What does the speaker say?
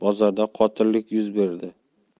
bozorda qotillik yuz berdi